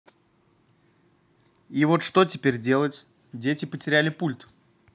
и вот что теперь делать дети потеряли пульт